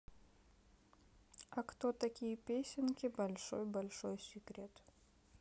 а кто такие песенки большой большой секрет